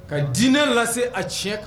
Ka dinɛ lase a tiɲɛ kan